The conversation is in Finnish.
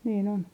niin on